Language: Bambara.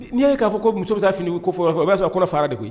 N'i ye k'a fɔ ko muso bɛ taa fini ko fɔlɔ o b'a sɔrɔ ko fara de koyi